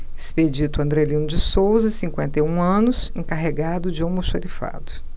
expedito andrelino de souza cinquenta e um anos encarregado de almoxarifado